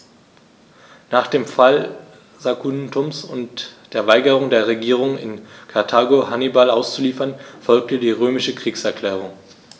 Nach dem Fall Saguntums und der Weigerung der Regierung in Karthago, Hannibal auszuliefern, folgte die römische Kriegserklärung.